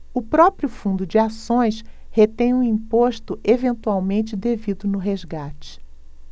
o próprio fundo de ações retém o imposto eventualmente devido no resgate